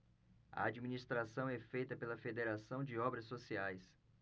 a administração é feita pela fos federação de obras sociais